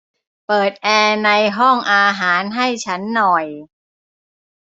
เปิดแอร์ในห้องอาหารให้ฉันหน่อย